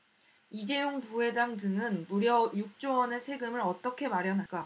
이재용 부회장 등은 무려 육 조 원의 세금을 어떻게 마련할까